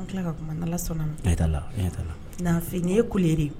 An tila ka kuma dala sɔnnala la nfe nin ye kule de